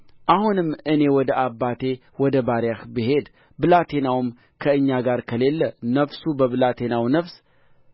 አሁንም እኔ ወደ አባቴ ወደ ባሪያህ ብሄድ ብላቴናውም ከእኛ ጋር ከሌለ ነፍሱ በብላቴናው ነፍስ